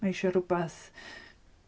Mae eisiau rhywbeth...